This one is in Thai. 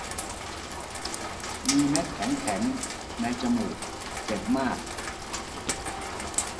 มีเม็ดแข็งแข็งในจมูกเจ็บมาก